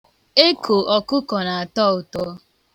Eko ọkụkọ na-atọ ụtọ.